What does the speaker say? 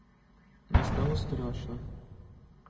мне стало страшно